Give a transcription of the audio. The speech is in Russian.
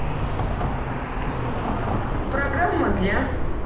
программа для